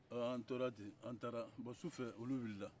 an tora ten an taara bon sufɛ olu wilila